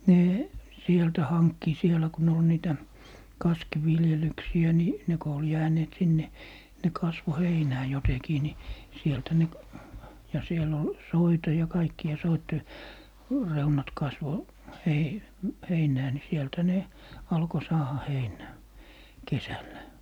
ne sieltä hankki siellä kun ne oli niitä kaskiviljelyksiä niin ne kun oli jääneet sinne ne kasvoi heinää jotenkin niin sieltä ne ja siellä oli soita ja kaikkia soiden reunat kasvoi - heinää niin sieltähän ne alkoi saada heinää kesällä